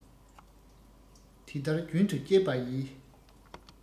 དེ ལྟར རྒྱུན དུ སྤྱད པ ཡིས